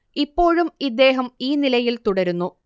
ഇപ്പോഴും ഇദ്ദേഹം ഈ നിലയിൽ തുടരുന്നു